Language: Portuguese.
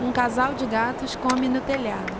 um casal de gatos come no telhado